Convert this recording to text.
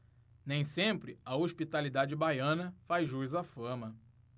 nem sempre a hospitalidade baiana faz jus à fama